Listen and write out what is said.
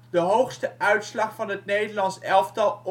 de hoogste uitslag van het Nederlands elftal